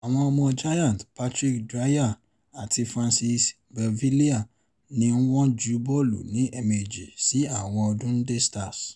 Àwọn ọmọ Giants, Patrick Dwyer àti Francis Beauvillier, ni wọ́n ju bọ́ọ̀lù ní èẹ̀mejì sí àwọ̀n Dundee Stars.